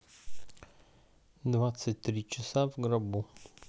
двадцать три часа в гробу